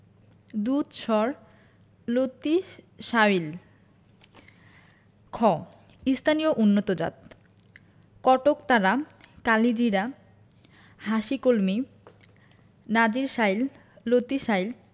দুধসর লতিশাইল খ স্থানীয় উন্নতজাতঃ কটকতারা কালিজিরা হাসিকলমি নাজির শাইল লতিশাইল